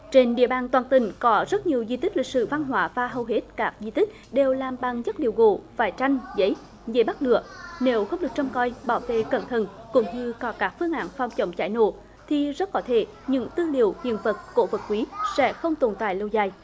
trên địa bàn toàn tỉnh có rất nhiều di tích lịch sử văn hóa và hầu hết các di tích đều làm bằng chất liệu gỗ vải tranh giấy dễ bắt lửa nếu không được trông coi bảo vệ cẩn thận cũng như có các phương án phòng chống cháy nổ thì rất có thể những tư liệu hiện vật cổ vật quý sẽ không tồn tại lâu dài